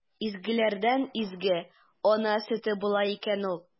Изгеләрдән изге – ана сөте була икән ул!